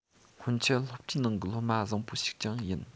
སྔོན ཆད སློབ གྲྭའི ནང གི སློབ མ བཟང པོ ཞིག ཀྱང ཡིན